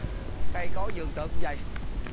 cây cối vườn tược như vầy